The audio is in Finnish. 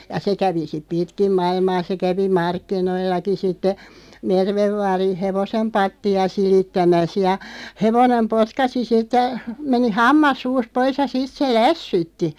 ja se kävi sitten pitkin maailmaa se kävi markkinoillakin sitten Merven vaarin hevosen pattia silittämässä ja hevonen potkaisi sitten meni hammas suusta pois ja sitten se lässytti